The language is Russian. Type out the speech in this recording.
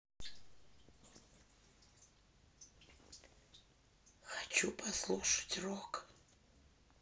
хочу послушать рок